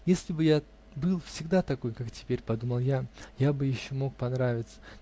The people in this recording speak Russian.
"Если бы я был всегда такой, как теперь, -- подумал я, -- я бы еще мог понравиться".